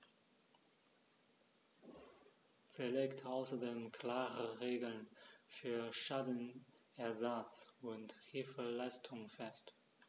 Sie legt außerdem klare Regeln für Schadenersatz und Hilfeleistung fest.